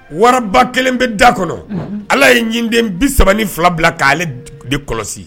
Wararaba kelen bɛ da kɔnɔ ala ye ɲinden bi sabali ni fila bila k' ale de kɔlɔsi